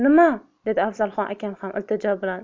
nima dedi afzalxon akam ham iltijo bilan